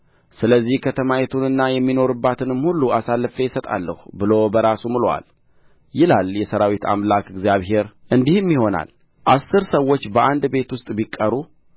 ስለዚህ ከተማይቱንና የሚኖሩባትን ሁሉ አሳልፌ እሰጣለሁ ብሎ በራሱ ምሎአል ይላል የሠራዊት አምላክ እግዚአብሔር እንዲህም ይሆናል አሥር ሰዎች በአንድ ቤት ውስጥ ቢቀሩ